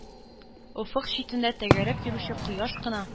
Офык читендә тәгәрәп йөрүче кояш кына,